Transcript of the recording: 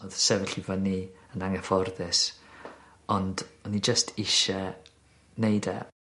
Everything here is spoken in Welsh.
Odd sefyll i fyny yn anghyfforddus ond o'n i jyst isie neud e.